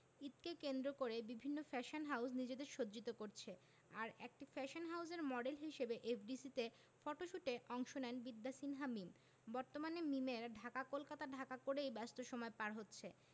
ঈদকে কেন্দ্র করে বিভিন্ন ফ্যাশন হাউজ নিজেদের সজ্জিত করছে আর একটি ফ্যাশন হাউজের মডেল হিসেবে এফডিসি তে ফটোশ্যুটে অংশ নেন বিদ্যা সিনহা মীম বর্তমানে মিমের ঢাকা কলকাতা ঢাকা করেই ব্যস্ত সময় পার হচ্ছে